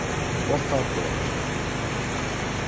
vátta boð